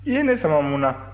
i ye ne sama mun na